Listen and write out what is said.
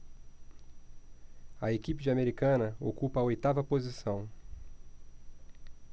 a equipe de americana ocupa a oitava posição